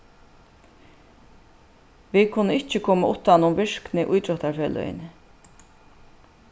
vit kunnu ikki koma uttanum virknu ítróttarfeløgini